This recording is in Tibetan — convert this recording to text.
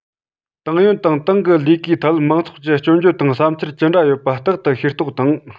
ཏང ཡོན དང ཏང གི ལས ཀའི ཐད མང ཚོགས ཀྱི སྐྱོན བརྗོད དང བསམ འཆར ཇི འདྲ ཡོད པ རྟག ཏུ ཤེས རྟོགས དང